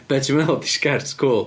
Be ti'n meddwl 'di sgert cwl?